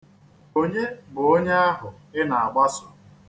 Onye bụ onye ahụ ị na-agbaso?